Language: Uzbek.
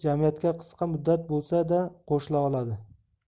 jamiyatga qisqa muddat bo'lsa da qo'shila oladi